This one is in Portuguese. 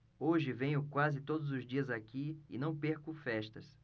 hoje venho quase todos os dias aqui e não perco festas